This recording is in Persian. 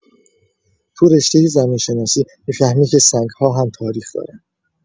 تو رشته زمین‌شناسی می‌فهمی که سنگ‌ها هم تاریخ دارن!